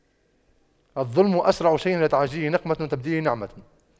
الظلم أسرع شيء إلى تعجيل نقمة وتبديل نعمة